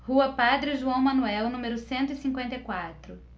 rua padre joão manuel número cento e cinquenta e quatro